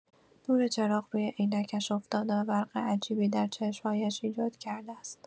نور چراغ روی عینکش افتاده و برق عجیبی در چشم‌هایش ایجاد کرده است.